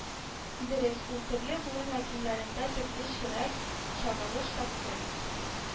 Дөрес, ул төрле буын вәкилләрендә төрлечәрәк чагылыш тапты,